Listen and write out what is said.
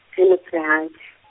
tse motshehadi.